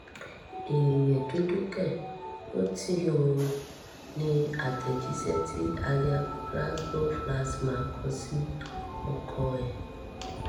”ÈÈYÀN DÚDÚ KẸ̀? ‘Ò TÍ OOOOOOOOOOOOOOOOO,” ni àtẹ̀jíṣẹ́ tí Aya Plasco-Flaxman kọ sí ọkọ ẹ̀.